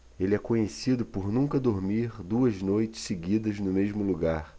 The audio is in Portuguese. ele é conhecido por nunca dormir duas noites seguidas no mesmo lugar